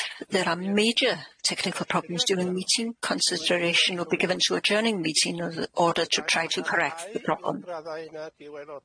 There are major technical problems during the meeting, consideration will be given to adjourning meeting of- order to try to correct the problem.